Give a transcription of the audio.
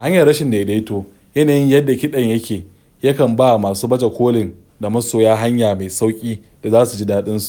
A hanyar rashin daidaito, yanayin yadda kiɗan yake yakan ba wa masu baje-kolin da masoya hanya mai sauƙi da za su ji daɗinsu.